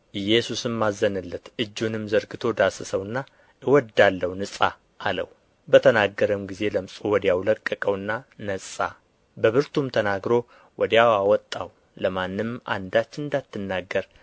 ኢየሱስም አዘነለት እጁንም ዘርግቶ ዳሰሰውና እወድዳለሁ ንጻ አለው በተናገረም ጊዜ ለምጹ ወዲያው ለቀቀውና ነጻ በብርቱም ተናግሮ ወዲያው አወጣው ለማንም አንዳች እንዳትናገር